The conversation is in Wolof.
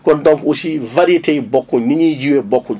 kon donc aussi variétés yi bokkuñ ni ñuy jiyee bokkuñ